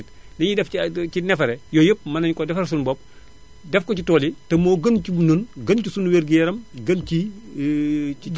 li ñuy def ci ci nefere yooyu yépp mën nañu koo defaral suñu bopp def ko ci tool yi te moo gën si ñun gën sii suñu wérgu yaram gën ci